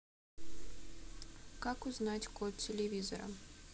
как узнать код телевизора